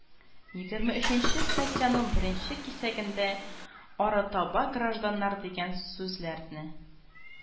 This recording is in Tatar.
Егерме өченче статьяның беренче кисәгендә арытаба гражданнар дигән сүзләрне